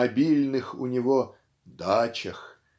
на обильных у него "дачах"